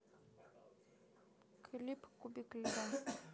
клип кубик льда